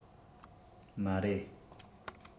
མ རེད